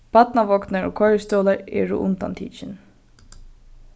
barnavognar og koyristólar eru undantikin